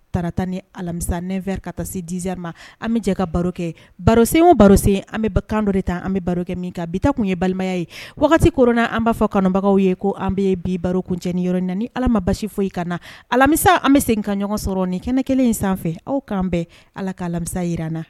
Taara tan ni alamisa nfɛ ka taa se dizri ma an bɛ jɛ ka baro kɛ barorosen o baroro sen an bɛ kan dɔ de tan an bɛ baro kɛ min kan bi tun ye balimaya ye wagati kor an b' fɔ kɔnɔbagaw ye ko an bɛ bi baro kunceni yɔrɔ na ni ala ma basi foyi ka na alamisa an bɛ segin ka ɲɔgɔn sɔrɔ ni kɛnɛ kelen in sanfɛ aw k'an bɛn ala k ka alamisa jirar nna